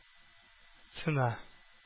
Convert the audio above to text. Цена